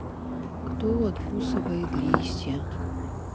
кто откусывает листья